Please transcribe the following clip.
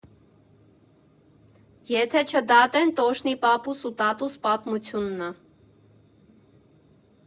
Եթե չդատեն, տոշնի պապուս ու տատուս պատմությունն ա։